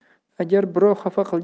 agar birov xafa